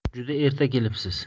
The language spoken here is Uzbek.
juda erta kelibsiz